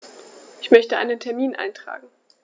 Ich möchte einen Termin eintragen.